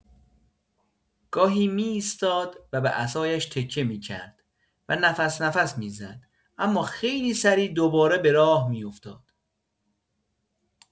گاهی می‌ایستاد و به عصایش تکیه می‌کرد و نفس‌نفس می‌زد، اما خیلی سریع دوباره به راه می‌افتاد.